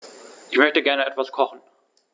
Ich möchte gerne etwas kochen.